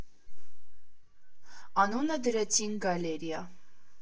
Անունը դրեցինք «Գալերիա»։